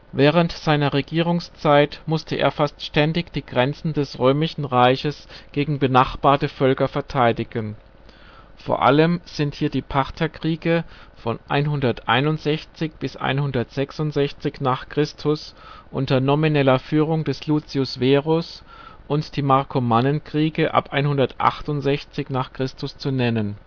Während seiner Regierungszeit musste er fast ständig die Grenzen des Römischen Reiches gegen benachbarte Völker verteidigen. Vor allem sind hier die Partherkriege 161-166 (unter nomineller Führung des Lucius Verus) und die Markomannenkriege ab 168 zu nennen